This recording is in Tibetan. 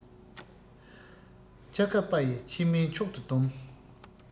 ཆ ག པ ཡི ཕྱེ མས མཆོག ཏུ སྡོམ